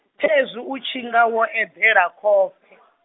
khezwi u tshinga wo eḓela khofhe?